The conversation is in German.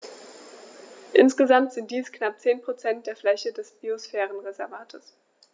Insgesamt sind dies knapp 10 % der Fläche des Biosphärenreservates.